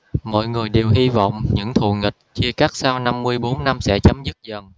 mọi người đều hi vọng những thù nghịch chia cắt sau năm mươi bốn năm sẽ chấm dứt dần